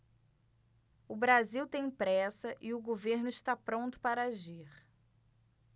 o brasil tem pressa e o governo está pronto para agir